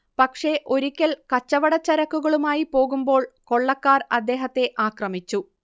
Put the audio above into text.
പക്ഷെ ഒരിക്കൽ കച്ചവടച്ചരക്കുകളുമായി പോകുമ്പോൾ കൊള്ളക്കാർ അദ്ദേഹത്തെ ആക്രമിച്ചു